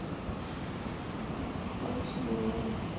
начиная